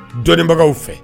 Jɔnbagaw fɛ